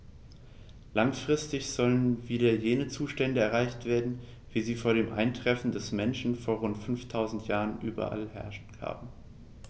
Langfristig sollen wieder jene Zustände erreicht werden, wie sie vor dem Eintreffen des Menschen vor rund 5000 Jahren überall geherrscht haben.